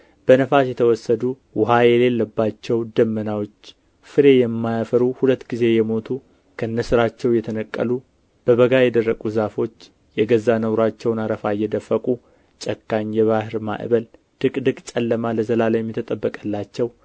በነፋስ የተወሰዱ ውኃ የሌለባቸው ደመናዎች ፍሬ የማያፈሩ ሁለት ጊዜ የሞቱ ከነሥራቸው የተነቀሉ በበጋ የደረቁ ዛፎች የገዛ ነውራቸውን አረፋ እየደፈቁ ጨካኝ የባሕር ማዕበል ድቅድቅ ጨለማ ለዘላለም የተጠበቀላቸው